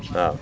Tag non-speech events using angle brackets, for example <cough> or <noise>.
<hesitation> <hesitation>